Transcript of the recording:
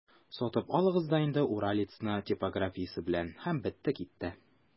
Сатып алыгыз да инде «Уралец»ны типографиясе белән, һәм бетте-китте!